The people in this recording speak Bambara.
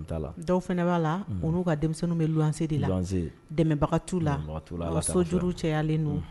Dɔw fana b'a la ka denmisɛnnin bɛ se de la baga tu la ka sojuru cɛyalen